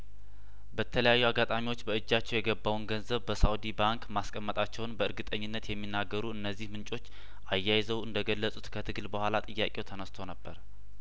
በተለያዩ አጋጣሚዎች በእጃቸው የገባውን ገንዘብ በሳኡዲ ባንክ ማስቀመጣቸውን በእርግጠኝነት የሚናገሩ እነዚሁ ምንጮች አያይዘው እንደገለጹት ከትግል በኋላ ጥያቄው ተነስቶ ነበር